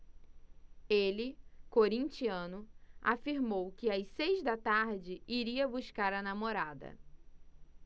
ele corintiano afirmou que às seis da tarde iria buscar a namorada